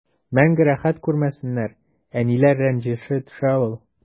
Мәңге рәхәт күрмәсеннәр, әниләр рәнҗеше төшә ул.